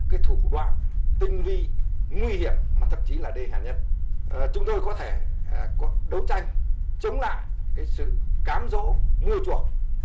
cái thủ đoạn tinh vi nguy hiểm mà thậm chí là đê hèn nhất chúng tôi có thể đấu tranh chống lại sự cám dỗ mua chuộc